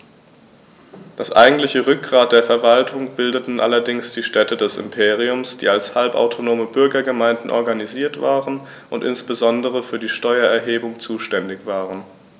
Das eigentliche Rückgrat der Verwaltung bildeten allerdings die Städte des Imperiums, die als halbautonome Bürgergemeinden organisiert waren und insbesondere für die Steuererhebung zuständig waren.